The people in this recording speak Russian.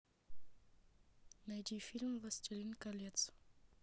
найди фильм властелин колец